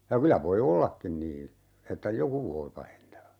ja kyllä voi ollakin niin että joku voi pahentaa